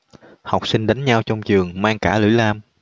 học sinh đánh nhau trong trường mang cả lưỡi lam